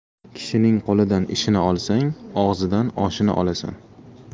kishining qo'lidan ishini olsang og'zidan oshini olasan